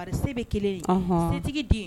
Bari se bɛ kelen ye setigi den